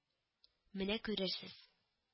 – менә күрерсез